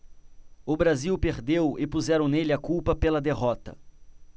o brasil perdeu e puseram nele a culpa pela derrota